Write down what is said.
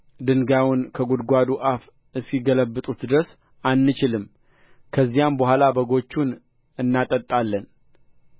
ድንጋዩን ከጕድጓዱ አፍ እስኪገለብጡት ድረስ አንችልም ከዚያም በኋላ በጎቹን እናጠጣለን